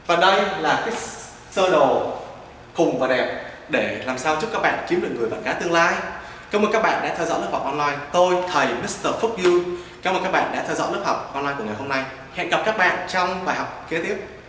và đây là cái sơ đồ khùng và đẹp để làm sao giúp các bạn kiếm được người bạn gái tương lai cảm ơn các bạn đã theo lớp học on lai tôi thầy mít tơ phúc du cảm ơn các bạn đã theo dõi lớp học on lai của ngày hôm nay hẹn gặp các bạn trong bài kế tiếp